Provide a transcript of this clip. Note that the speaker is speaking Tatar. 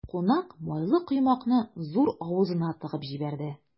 Кунак майлы коймакны зур авызына тыгып җибәрде.